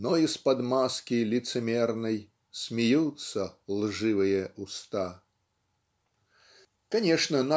Но из-под маски лицемерной Смеются лживые уста. Конечно